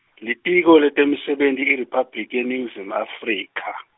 Litiko letemisebenti IRiphabliki yeNingizimu Afrika.